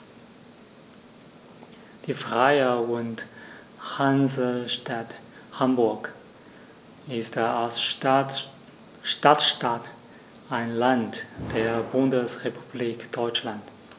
Die Freie und Hansestadt Hamburg ist als Stadtstaat ein Land der Bundesrepublik Deutschland.